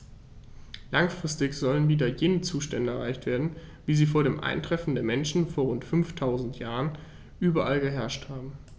Langfristig sollen wieder jene Zustände erreicht werden, wie sie vor dem Eintreffen des Menschen vor rund 5000 Jahren überall geherrscht haben.